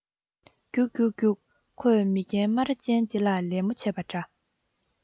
རྒྱུགས རྒྱུགས རྒྱུགས ཁོས མི རྒན སྨ ར ཅན དེ ལ ལད མོ བྱས པ འདྲ